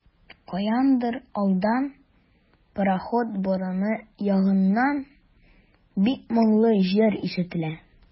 Каяндыр алдан, пароход борыны ягыннан, бик моңлы җыр ишетелә.